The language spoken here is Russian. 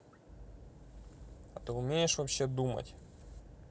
а ты умеешь вообще думать